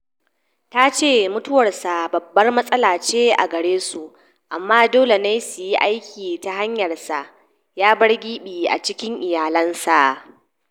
Ta ce mutuwarsa babbar matsala ce a gare su, amma dole ne suyi aiki ta hanyarsa: "Ya bar gibi a cikin iyalinsa”